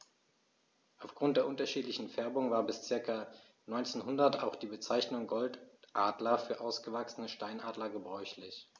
Auf Grund der unterschiedlichen Färbung war bis ca. 1900 auch die Bezeichnung Goldadler für ausgewachsene Steinadler gebräuchlich.